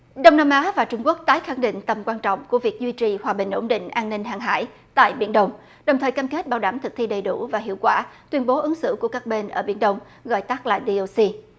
đông nam á và trung quốc tái khẳng định tầm quan trọng của việc duy trì hòa bình ổn định an ninh hàng hải tại biển đông đồng thời cam kết bảo đảm thực thi đầy đủ và hiệu quả tuyên bố ứng xử của các bên ở biển đông gọi tắt là đi ô si